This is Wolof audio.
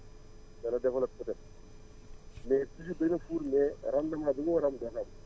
dana développé peut être mais dana ful mais rendement bi nga war a am doo ko am